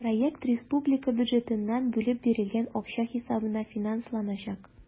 Проект республика бюджетыннан бүлеп бирелгән акча хисабына финансланачак.